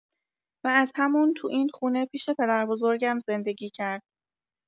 و از همون تو این خونه پیش پدربزرگم زندگی کرد.